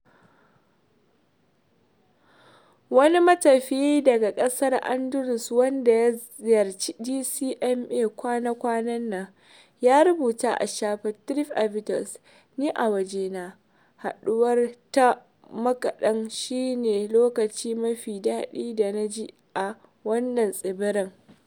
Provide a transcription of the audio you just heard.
Wani matafiyi daga ƙasar Andalus, wanda ya ziyarci DCMA kwana-kwanan nan, ya rubuta a shafin TripAdvisor: "Ni a wajena, haɗuwa ta makaɗan shi ne lokaci mafi daɗi da na ji a wannan tsibirin".